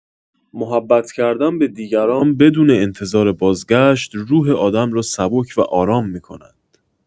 محبت کردن به دیگران بدون انتظار بازگشت، روح آدم را سبک و آرام می‌کند.